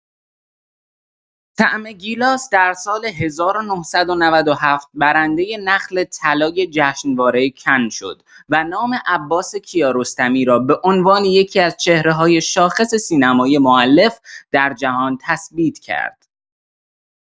«طعم گیلاس» در سال ۱۹۹۷ برندۀ نخل طلای جشنوارۀ کن شد و نام عباس کیارستمی را به عنوان یکی‌از چهره‌های شاخص سینمای مؤلف در جهان تثبیت کرد.